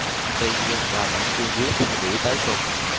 tuy nhiên bà vẫn cương quyết theo đuổi tới cùng